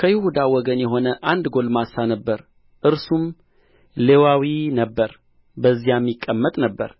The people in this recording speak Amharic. ከይሁዳ ወገን የሆነ አንድ ጕልማሳ ነበረ እርሱም ሌዋዊ ነበረ በዚያም ይቀመጥ ነበር